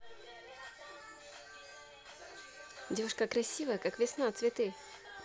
девушка красивая как весна цветы